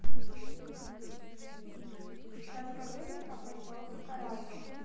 расскажи мне о поселке караваева